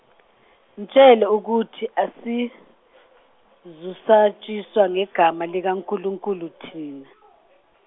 mtshele ukuthi asizosatshiswa ngegama likaNkulunkulu thina.